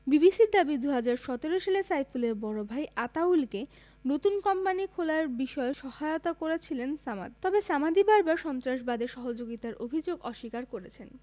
বিবিসির দাবি ২০১৭ সালে সাইফুলের বড় ভাই আতাউলকে নতুন কোম্পানি খোলার বিষয়ে সহায়তা করেছিলেন সামাদ তবে সামাদ বারবারই সন্ত্রাসবাদে সহযোগিতার অভিযোগ অস্বীকার করছেন